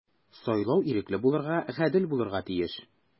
Сайлау ирекле булырга, гадел булырга тиеш.